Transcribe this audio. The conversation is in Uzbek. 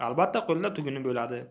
albatta qo'lida tuguni bo'ladi